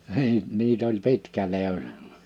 niin niitä oli pitkä liuta